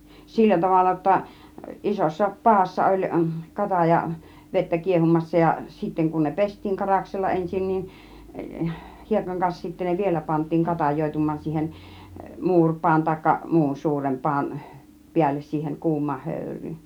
sillä tavalla jotta isossa padassa oli - katajavettä kiehumassa ja sitten kun ne pestiin karaksella ensin niin hiekan kanssa sitten ne vielä pantiin katajoitumaan siihen muuripadan tai muun suuren padan päälle siihen kuumaan höyryyn